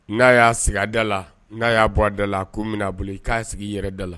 N'a y'a sigi a da la n'a y'a bɔ a da la ko bɛnaa bolo i k'a sigi yɛrɛ da la